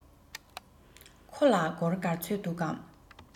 ཁོ ལ སྒོར ག ཚོད འདུག གམ